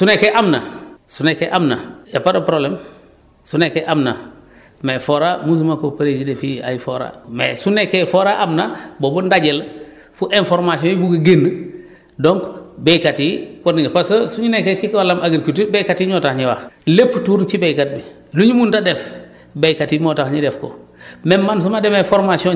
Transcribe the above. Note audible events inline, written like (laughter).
bon FORA fii su nekkee am na su nekkee am na y' a pas de problème su nekkee am na (breath) mais FORA mosuma ko présider fii ay FORA mais su nekkee FORA am na booba ndaje la fu information yi bugg a génn donc béykat yi continuer parce que suñu nekke si problème agriculture béykat yi ñoo tax ñuy wax lépp tourne ci béykat bi lu ñu mënut a def béykat yi moo tax ñu def ko